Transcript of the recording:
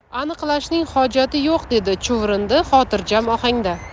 aniqlashning hojati yo'q dedi chuvrindi xotirjam ohangda